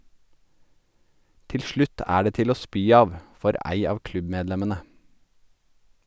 Til slutt er det til å spy av - for ei av klubbmedlemmene.